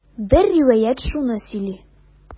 Бер риваять шуны сөйли.